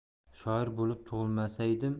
shoir bo'lib tug'ilmasaydim